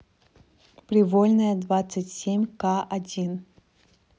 привольная двадцать семь ка один